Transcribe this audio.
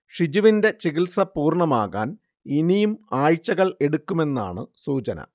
ഷിജുവിന്റെ ചികിൽസ പൂർണ്ണമാകാൻ ഇനിയും ആഴ്ചകൾ എടുക്കുമെന്നാണ് സൂചന